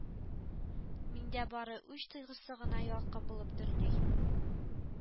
Миндә бары үч тойгысы гына ялкын булып дөрли